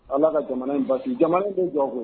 Ala ka jamana in basigi jamana in be jɔ koyi